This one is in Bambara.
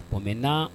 O maintenant